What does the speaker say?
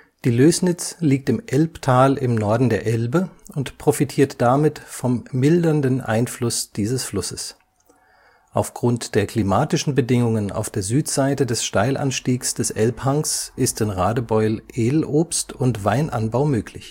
Die Lößnitz liegt im Elbtal im Norden der Elbe und profitiert damit vom mildernden Einfluss dieses Flusses. Aufgrund der klimatischen Bedingungen auf der Südseite des Steilanstiegs des Elbhangs ist in Radebeul Edelobst - und Weinanbau möglich